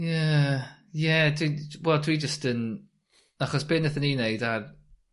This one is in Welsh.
Ie ie dwi'n wel dwi jyst yn... Achos be' nathon ni neud ar